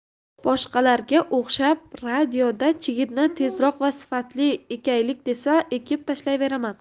boshqalarga o'xshab radioda chigitni tezroq va sifatli ekaylik desa ekib tashlayvermayman